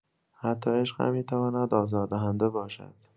حتی عشق هم می‌تواند آزاردهنده باشد.